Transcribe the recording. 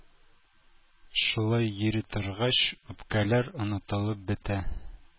Шулай йөри торгач үпкәләр онытылып бетә.